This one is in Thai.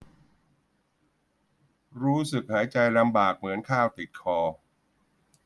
รู้สึกหายใจลำบากเหมือนข้าวติดคอ